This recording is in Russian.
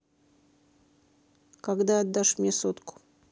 когда отдашь мне сотку